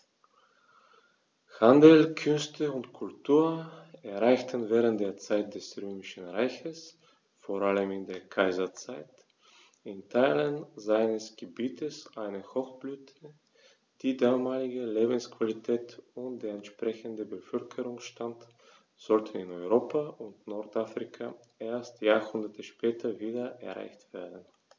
Handel, Künste und Kultur erreichten während der Zeit des Römischen Reiches, vor allem in der Kaiserzeit, in Teilen seines Gebietes eine Hochblüte, die damalige Lebensqualität und der entsprechende Bevölkerungsstand sollten in Europa und Nordafrika erst Jahrhunderte später wieder erreicht werden.